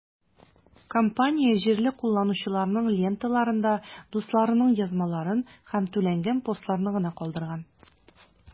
Компания җирле кулланучыларның ленталарында дусларының язмаларын һәм түләнгән постларны гына калдырган.